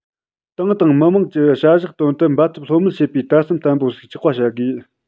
ཏང དང མི དམངས ཀྱི བྱ གཞག དོན དུ འབད འཐབ ལྷོད མེད བྱེད པའི དད སེམས བརྟན པོ ཞིག ཆགས པ བྱ དགོས